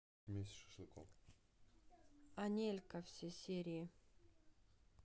анелька все серии